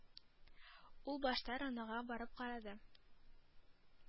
Ул башта ронога барып карады.